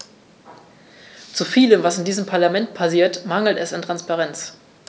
Zu vielem, was in diesem Parlament passiert, mangelt es an Transparenz.